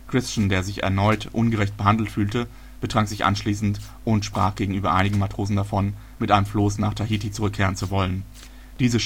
Christian, der sich erneut ungerecht behandelt fühlte, betrank sich anschließend und sprach gegenüber einigen Matrosen davon, mit einem Floß nach Tahiti zurückkehren zu wollen. Diese